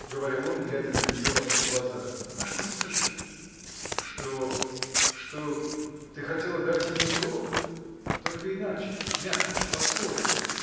– говорил он, глядя на нее во все глаза. – А что, скажи? – Что. что. ты хотела дать ему урок. только иначе, мягче, по-своему.